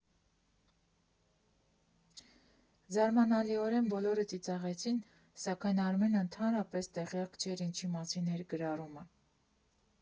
Զարմանալիորեն բոլորը ծիծաղեցին, սակայն Արմենը ընդհանրապես տեղյակ չէր՝ ինչի մասին է գրառումը։